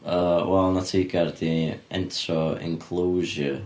Yy wel, oedd 'na teigar 'di entro enclosure.